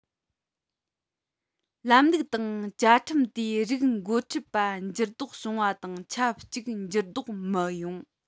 ལམ ལུགས དང བཅའ ཁྲིམས དེ རིགས འགོ ཁྲིད པ འགྱུར ལྡོག བྱུང བ དང ཆབས ཅིག འགྱུར ལྡོག མི ཡོང